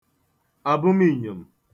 àbụmiìnyòm